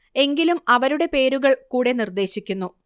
എങ്കിലും അവരുടെ പേരുകൾ കൂടെ നിർദ്ദേശിക്കുന്നു